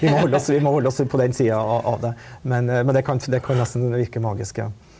vi må holde også vi må holde oss på den sida av av det men men det kan det kan nesten virke magisk ja.